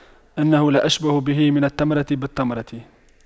إنه لأشبه به من التمرة بالتمرة